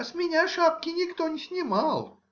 — С меня шапки никто не снимал.